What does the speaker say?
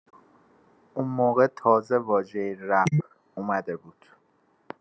اون موقع تازه واژه «رپ» اومده بود.